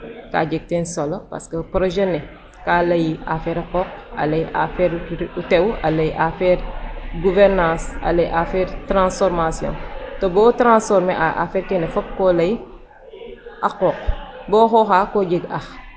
Kaa jeg teen solo parce que projet ne kaa lay affaire a qooq, a lay affaire o tew, a ley affaire gouvernance a lay affaire tranformation to bo transformer a affaire "kene fop fok o lay a qooq bo o xooxaa koo jeg ax .